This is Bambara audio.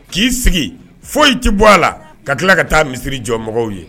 K'i sigi foyi i ci bɔ a la ka tila ka taa misiri jɔmɔgɔw ye